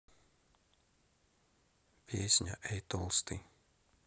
песня эй толстый